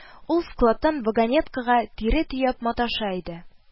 Ул складтан вагонеткага тире төяп маташа иде